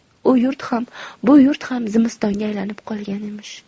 u yurt ham bu yurt ham zimistonga aylanib qolgan emish